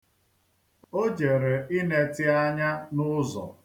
O jere inetị anya n'ụzọ.